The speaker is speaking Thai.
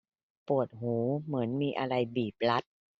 ปวดหูเหมือนมีอะไรบีบรัด